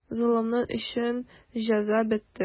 Золымың өчен җәза бетте.